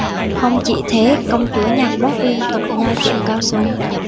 không chỉ thế công chúa nhạc pop liên tục nhai kẹo cao su